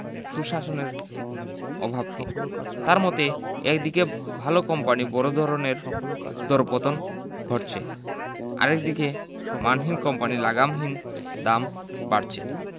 সুশাসনের অভাবকে তাঁর মতে একদিকে ভালো কোম্পানির বড় ধরনের দরপতন ঘটছে আরেক দিকে মানহীন কোম্পানির লাগামহীন দাম বাড়ছে